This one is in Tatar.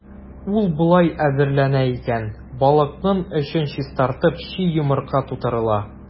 Ул болай әзерләнә икән: балыкның эчен чистартып, чи йомырка тутырыла.